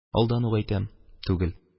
Алдан ук әйтәм, түгел